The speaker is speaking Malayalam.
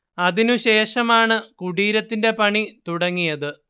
അതിനുശേഷമാണ് കുടീരത്തിന്റെ പണി തുടങ്ങിയത്